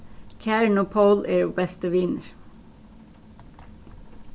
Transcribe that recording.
karin og pól eru bestu vinir